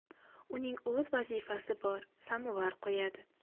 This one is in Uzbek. uning o'z vazifasi bor samovar qo'yadi